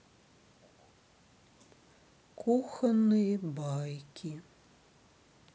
кухонные байки